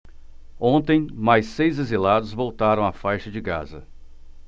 ontem mais seis exilados voltaram à faixa de gaza